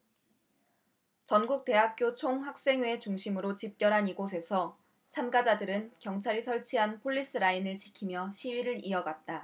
전국 대학교 총학생회 중심으로 집결한 이곳에서 참가자들은 경찰이 설치한 폴리스라인을 지키며 시위를 이어갔다